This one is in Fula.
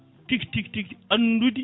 tigui tigui tigui andude